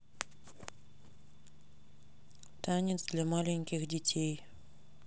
танец для маленьких детей